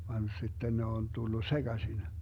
vaan sitten ne on tullut sekaisin